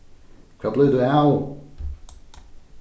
hvar blívur tú av